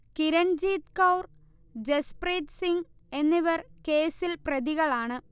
കിരൺജീത് കൗർ, ജസ്പ്രീത് സിങ് എന്നിവർ കേസിൽ പ്രതികളാണ്